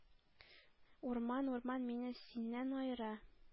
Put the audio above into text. Урман, урман, мине синнән аера